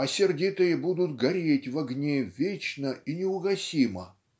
а сердитые будут гореть в огне вечно и неугасимо".